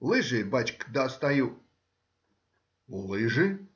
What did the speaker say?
— Лыжи, бачка, достаю. — Лыжи!